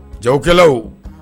Jagokɛlanw